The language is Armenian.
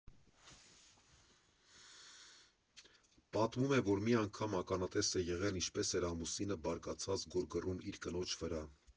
Պատմում է, որ մի անգամ ականատես է եղել, ինչպես էր ամուսինը բարկացած գոռգոռում իր կնոջ վրա.